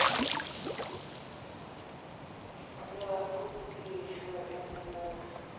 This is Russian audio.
the откуда ты еще это знаешь